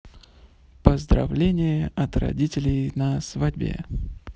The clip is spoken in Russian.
поздравление от родителей на свадьбе